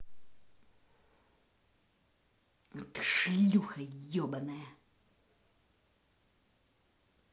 а ты шлюха ебаная